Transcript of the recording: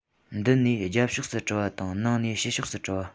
མདུན ནས རྒྱབ ཕྱོགས སུ བཀྲུ བ དང ནང ནས ཕྱི ཕྱོགས སུ བཀྲུ བ